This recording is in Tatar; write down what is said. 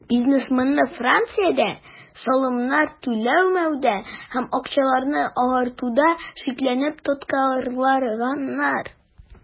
Бизнесменны Франциядә салымнар түләмәүдә һәм акчаларны "агартуда" шикләнеп тоткарлаганнар.